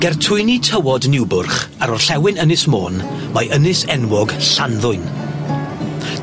Ger twyni tywod Niwbwrch ar Orllewin Ynys Môn, mae Ynys enwog Llanddwyn.